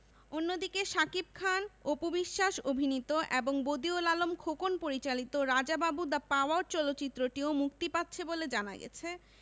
অন্যদিকে শাকিব খান অপু বিশ্বাস অভিনীত এবং বদিউল আলম খোকন পরিচালিত রাজা বাবু দ্যা পাওয়ার চলচ্চিত্রটিও মুক্তি পাচ্ছে বলে জানা গেছে